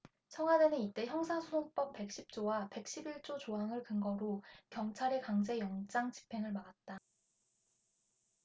청와대는 이때 형사소송법 백 십 조와 백 십 일 조 조항을 근거로 검찰의 강제 영장집행을 막았다